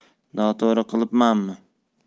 noto'g'ri qilibman mi